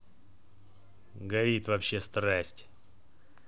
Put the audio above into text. горит вообще страсть